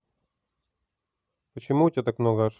почему у тебя так много ошибок